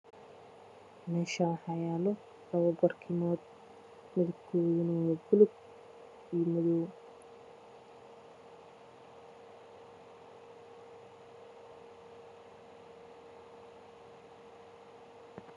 Meeshaani waxaa yaalo labo barkimood mid guduud iyo madow